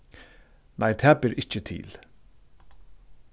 nei tað ber ikki til